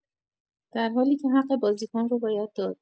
در حالی که حق بازیکن رو باید داد